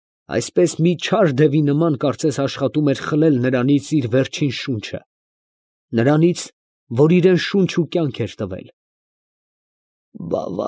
Այսպես մի չար դևի նման, կարծես աշխատում էր խլել նրանից իր վերջին շունչը, նրանից, որ իրան շունչ և կյանք էր տվել։ ֊